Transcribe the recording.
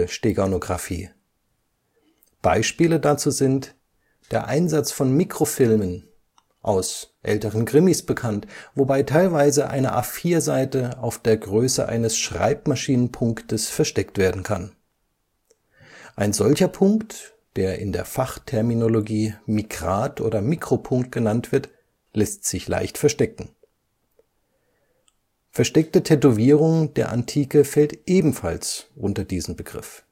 Steganographie Beispiele dazu sind: Der Einsatz von Mikrofilmen ist aus älteren Krimis bekannt, wobei teilweise eine A4-Seite auf der Größe eines Schreibmaschinenpunktes versteckt werden kann. Ein solcher Punkt (in der Fachterminologie „ Mikrat” oder Mikropunkt genannt) lässt sich leicht verstecken. Versteckte Tätowierung der Antike fällt unter diesen Begriff